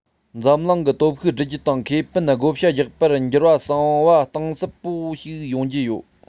འཛམ གླིང གི སྟོབས ཤུགས སྒྲིལ རྒྱུ དང ཁེ ཕན བགོ བཤའ རྒྱག པར འགྱུར བ གསར པ གཏིང ཟབ པོ ཞིག ཡོང བཞིན ཡོད